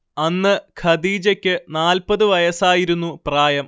അന്ന് ഖദീജക്ക് നാൽപത് വയസ്സായിരുന്നു പ്രായം